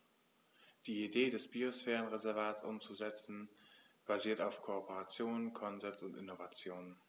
Die Idee des Biosphärenreservates umzusetzen, basiert auf Kooperation, Konsens und Innovation.